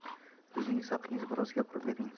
o'zingiz haqingizda biroz gapirib bering